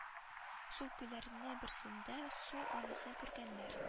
Шул күлләрнең берсендә су анасын күргәннәр